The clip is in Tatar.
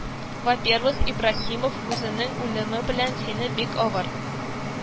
Во-первых, Ибраһимов үзенең үлеме белән сине бик авыр